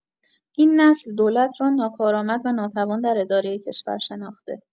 این نسل، دولت را ناکارآمد و ناتوان در اداره کشور شناخته